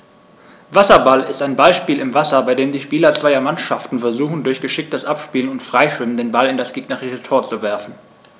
Wasserball ist ein Ballspiel im Wasser, bei dem die Spieler zweier Mannschaften versuchen, durch geschicktes Abspielen und Freischwimmen den Ball in das gegnerische Tor zu werfen.